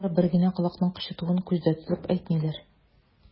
Монда алар бер генә колакның кычытуын күздә тотып әйтмиләр.